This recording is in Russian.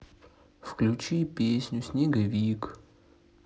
включи песню снеговик